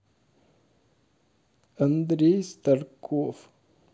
андрей старков